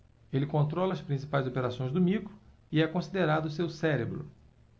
ele controla as principais operações do micro e é considerado seu cérebro